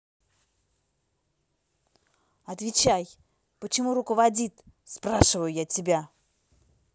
отвечай почему руководит спрашиваю я тебя